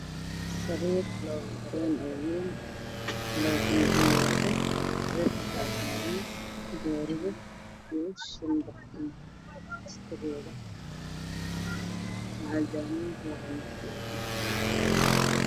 Waa qol waxaa yaalo sariir midabkiis yahay qaxwi waxaa saaran barkima oo ka kooban labo